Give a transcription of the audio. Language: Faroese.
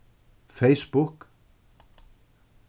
facebook